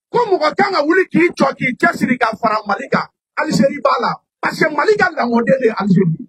Ko mɔgɔ'an ka wuli k'i jɔ k'i jasiri ka fara mali alise i b'a lase mali ka lamɔ de alise